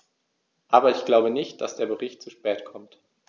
Aber ich glaube nicht, dass der Bericht zu spät kommt.